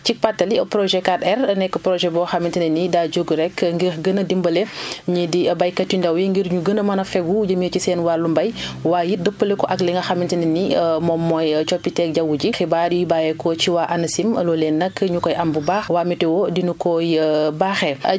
cig pàttali projet 4R nekk projet boo xamante ne nii daa jóg rekk ngir gën a dimbale ñii di baykat yu ndaw yi ngir ñu gën a mën a fegu jëmee ci seen wàllu mbay waaye it dëppale ko ak li nga xamante ne nii moom mooy coppiteg jaww ji xibaar yu bàyyeekoo ci waa ANACIM loolee nag ñu koy am bu baax waa météo dinu koy baaxee